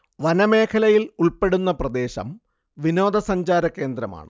വനമേഖലയിൽ ഉൾപ്പെടുന്ന പ്രദേശം വിനോദസഞ്ചാര കേന്ദ്രമാണ്